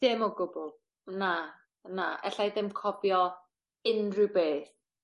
Dim o gwbwl. Na, na. Alla i ddim cofio unryw beth.